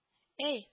- әй